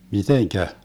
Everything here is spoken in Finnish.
miten